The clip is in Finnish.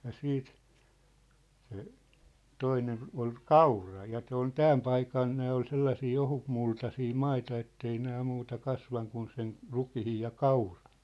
ja sitten se toinen oli kaura ja se on tämän paikan nämä oli sellaisia ohutmultaisia maita että ei nämä muuta kasvanut kuin sen rukiin ja kauran